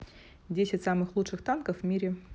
десять самых лучших танков в мире